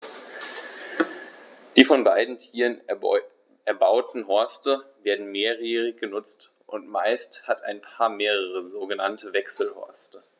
Die von beiden Tieren erbauten Horste werden mehrjährig benutzt, und meist hat ein Paar mehrere sogenannte Wechselhorste.